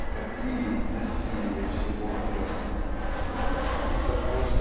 "скопили насилие всего мира". Из-за того